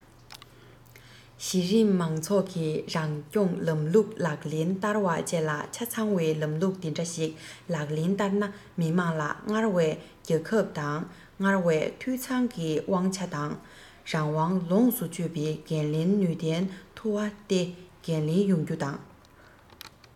གཞི རིམ མང ཚོགས ཀྱི རང སྐྱོང ལམ ལུགས ལག ལེན བསྟར བ བཅས ལ ཆ ཚང བའི ལམ ལུགས དེ འདྲ ཞིག ལག ལེན བསྟར ན མི དམངས ལ སྔར བས རྒྱ ཁྱབ དང སྔར བས འཐུས ཚང གི དབང ཆ དང རང དབང ལོངས སུ སྤྱོད པའི འགན ལེན ནུས ལྡན ཐུབ སྟེ འགན ལེན ཡོང རྒྱུ དང